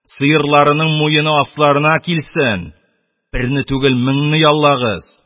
Сыерларның муены асларына килсен, берне түгел, меңне яллагыз